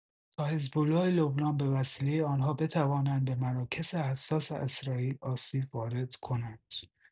تا حزب‌الله لبنان به وسیله آنها بتوانند به مراکز حساس اسرائیل آسیب وارد کند.